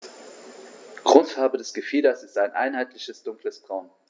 Grundfarbe des Gefieders ist ein einheitliches dunkles Braun.